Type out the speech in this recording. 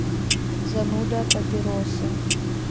зануда папиросы